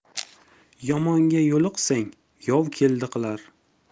yomonga yo'liqsang yov keldi qilar